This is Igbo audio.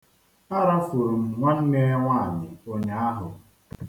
Arafuru m nwanne ya nwaanyị ụnyaahụ.